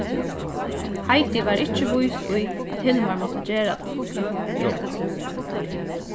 heidi var ikki vís í at hilmar mátti gera tað